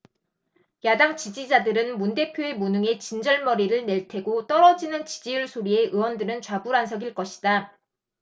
야당 지지자들은 문 대표의 무능에 진절머리를 낼 테고 떨어지는 지지율 소리에 의원들은 좌불안석일 것이다